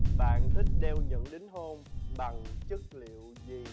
bạn thích đeo nhẫn đính hôn bằng chất liệu gì